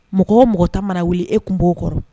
Mɔgɔ mɔgɔ ta mara wuli e tun b'o kɔrɔ